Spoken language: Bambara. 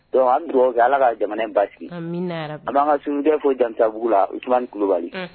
Donc an be duwawu kɛ Ala ka jamana in basigi amina rabi an b'an ka Sunujɛ fo Jamusabugu la Ousmane Coulibaly unh